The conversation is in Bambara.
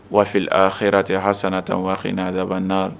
Waati a hɛrɛra ten ha san tan waban n'a